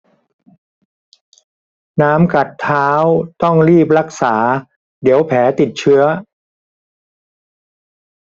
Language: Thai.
น้ำกัดเท้าต้องรีบรักษาเดี๋ยวแผลติดเชื้อ